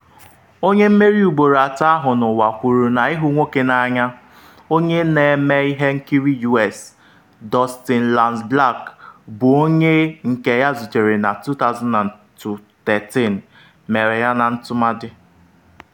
Onye mmeri ugboro atọ ahụ n’ụwa kwuru na ịhụ nwoke n’anya - onye na-eme ihe nkiri US, Dustin Lance Black, bụ onye nke ya zutere na 2013 - “mere ya na ntụmadị.”